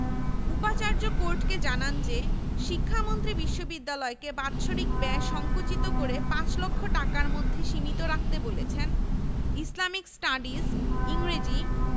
প্রথম কোর্ট সভায় আচার্য বলেন যে তাঁর দ্বিতীয় সমস্যা হলো মুসলিম সম্প্রদায়ের উচ্চাশা পূরণ